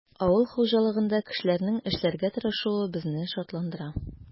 Авыл хуҗалыгында кешеләрнең эшләргә тырышуы безне шатландыра.